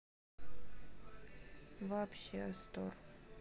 вообще астор